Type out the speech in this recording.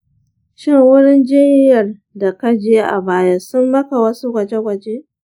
shin wurin jinyar da ka je a baya sun maka wasu gwaje gwaje?